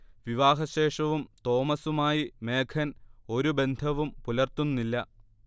വിവാഹശേഷവും തോമസുമായി മേഘൻ ഒരു ബന്ധവും പുലർത്തുന്നില്ല